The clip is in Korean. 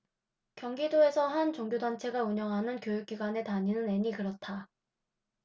경기도에서 한 종교단체가 운영하는 교육기관에 다니는 앤이 그렇다